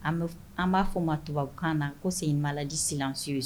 An b'o f an b'a f'ɔ ma tubabu kan na ko c'est une maladie silencieuse